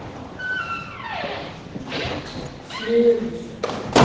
в сервисе